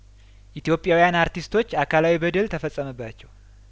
ኢትዮጵያውያን አርቲስቶች አካላዊ በደል ተፈጸመባቸው